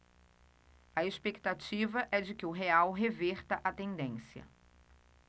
a expectativa é de que o real reverta a tendência